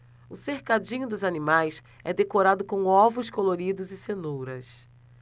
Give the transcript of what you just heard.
o cercadinho dos animais é decorado com ovos coloridos e cenouras